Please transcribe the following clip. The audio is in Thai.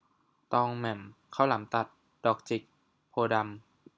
ตองแหม่มข้าวหลามตัดดอกจิกโพธิ์ดำ